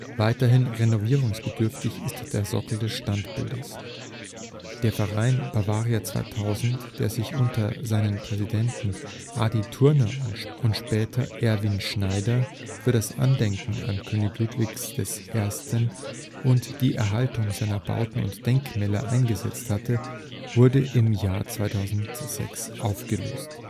Weiterhin renovierungsbedürftig ist der Sockel des Standbildes. Der Verein Bavaria 2000, der sich unter seinen Präsidenten Adi Thurner und später Erwin Schneider († 2005) für das Andenken an König Ludwig I. und die Erhaltung seiner Bauten und Denkmäler eingesetzt hatte, wurde im Jahre 2006 aufgelöst